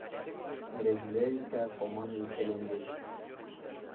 Рәзилә исә һаман үрсәләнде.